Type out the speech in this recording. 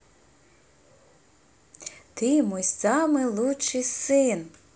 ты мой самый лучший сын